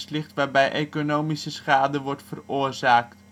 ligt waarbij economische schade wordt veroorzaakt